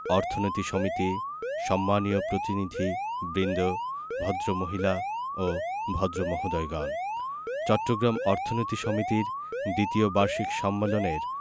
অর্থনীতি সমিতি সম্মানীয় প্রতিনিধিবৃন্দ ভদ্রমহিলা ও ভদ্রমহোদয়গণ চট্টগ্রাম অর্থনীতি সমিতির দ্বিতীয় বার্ষিক সম্মেলনের